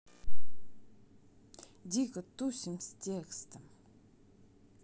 дико тусим с текстом